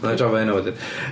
Wna i drafod hynna wedyn.